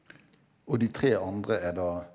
og de tre andre er da?